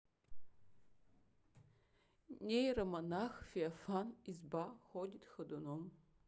нейромонах феофан изба ходит ходуном